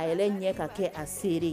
Aɛlɛn ɲɛ ka kɛ a seere